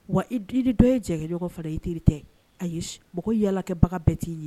Wa i du ni dɔ ye fana i teri tɛ ayi mɔgɔ yalakɛbaga bɛɛ t'i ye